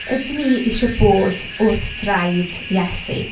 Ydyn ni isie bod wrth draed Iesu?